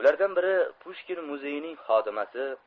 ulardan biri pushkin muzeyining xodimasi